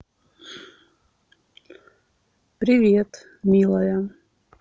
привет милая